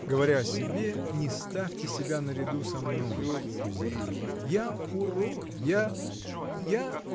— Говоря о себе, не ставьте себя наряду со мной, кузина: я урод, я. я.